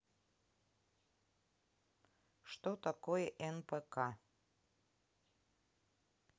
что такое нпк